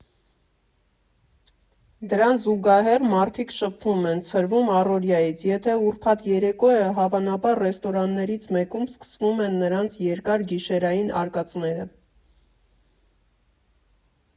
Դրան զուգահեռ մարդիկ շփվում են, ցրվում առօրյայից, եթե ուրբաթ երեկո է՝ հավանաբար ռեստորաններից մեկում սկսվում են նրանց երկար գիշերային արկածները։